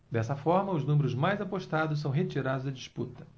dessa forma os números mais apostados são retirados da disputa